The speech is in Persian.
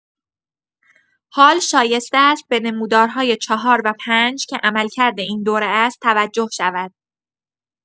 حال شایسته است به نمودارهای ۴ و ۵ که عملکرد این دوره است توجه شود.